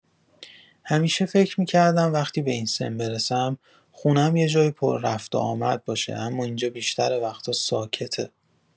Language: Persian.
همیشه فکر می‌کردم وقتی به این سن برسم، خونه‌م یه جای پر رفت‌وآمد باشه، اما اینجا بیشتر وقتا ساکته.